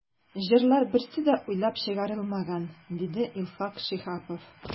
“җырлар берсе дә уйлап чыгарылмаган”, диде илфак шиһапов.